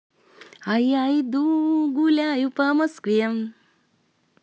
а я иду гуляю по москве